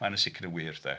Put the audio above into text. Mae hynna'n sicr yn wir de